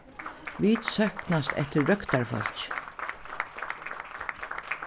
vit sóknast eftir røktarfólki